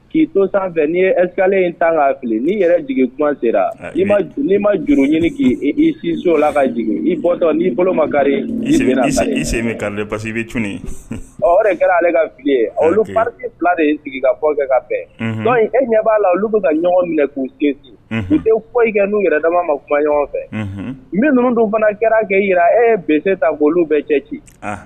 K'i to sanfɛ fɛ ni ye esle ta fili ni yɛrɛ serai ma juru ɲini k' si ka jigin itɔ n bolo makari bɛ ɔ o de kɛra ale ka fili ye pa fila de sigi ka fɔ ka e ɲɛ b'a la olu bɛ ka ɲɔgɔn minɛ k'u sen i tɛ fɔ i ka n'u yɛrɛ dama ma kuma ɲɔgɔn fɛ n bɛ dun fana garankɛ jira e ye bɛ ta bɔ olu bɛɛ cɛ ci